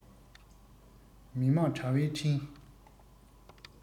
མི དམངས དྲ བའི འཕྲིན